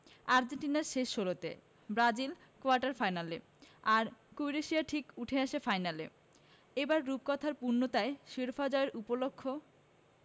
Argentina শেষ ষোলোতে Brazil quarter ফাইনালে আর ক্রোয়েশিয়া ঠিকই উঠে আসে ফাইনালে এবার রূপকথার পূর্ণতায় শিরোপা জয়ের উপলক্ষ